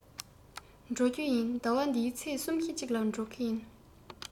འགྲོ རྒྱུ ཡིན ཟླ བ འདིའི ཚེས གསུམ བཞི ཅིག ལ འགྲོ གི ཡིན